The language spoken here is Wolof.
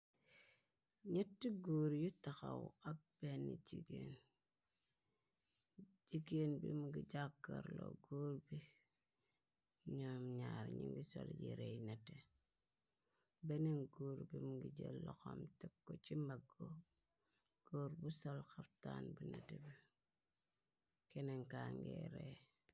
Ñett góor yu taxaw ak benne jigeen, jigéen bi mi ngi jàkkar lo góor bi, ñoom ñaar ñi ngi sol reey nete, bennen goor bi mingi jël loxam tekko ci baggum góor bu sol xaftaan bi nate, kenen kange reey.